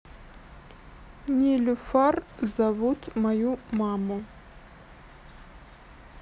нилюфар зовут мою маму